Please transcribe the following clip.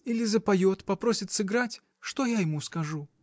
Или запоет, попросит сыграть: что я ему скажу?